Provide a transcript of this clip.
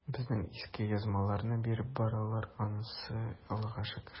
Безнең иске язмаларны биреп баралар ансы, Аллага шөкер.